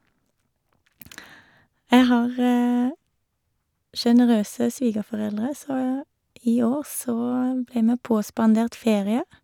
Jeg har generøse svigerforeldre, så i år så ble vi påspandert ferie.